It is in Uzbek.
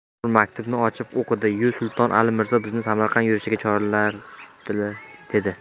bobur maktubni ochib o'qidi yu sulton ali mirzo bizni samarqand yurishiga chorlabdir dedi